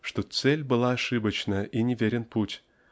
что цель была ошибочна и неверен путь